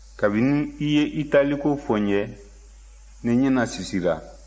kabini i ye i taaliko fo n ye ne ɲɛnasisira